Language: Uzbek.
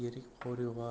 yirik qor yog'ar